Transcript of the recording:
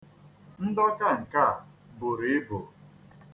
Ndọka nke a buru ibu.